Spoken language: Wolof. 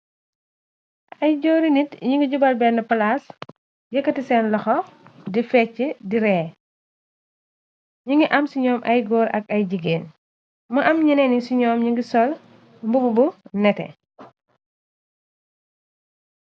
ay joori nit nyu ngi jubal bena palaas yekati sen lokho di fecha di rée nyu ngi am ci nyom ay goor ak ay jigeen mu am nyeneeni ci nyom nyu ngi sol mbubu bu nete